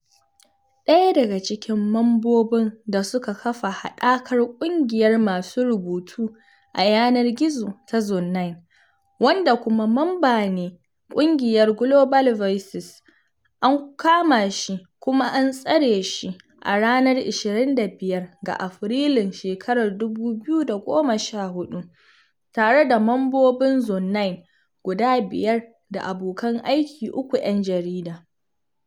Ɗaya daga cikin mambobin da suka kafa haɗakar ƙungiyar masu rubutu a yanar gizo ta Zone9, wanda kuma mamba ne ƙungiyar Global Voices, an kama shi kuma an tsare shi a ranar 25 ga Afrilun 2014, tare da mambobin Zone9 guda biyar daabokan aiki uku ‘yan jarida.